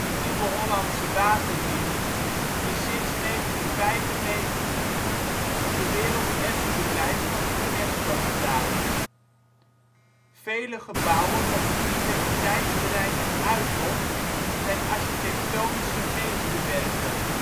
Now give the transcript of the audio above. Nieuwe Hollandse Waterlinie, die sinds 1995 op de Werelderfgoedlijst van de UNESCO staat. Vele gebouwen op Universiteitsterrein De Uithof zijn architectonische meesterwerken